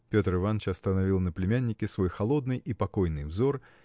Петр Иваныч остановил на племяннике свой холодный и покойный взор